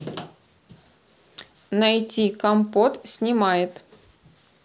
найти компот снимает